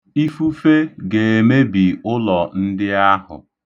Ifufe ga-emebi ụlọ ndị ahụ.